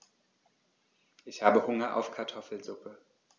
Ich habe Hunger auf Kartoffelsuppe.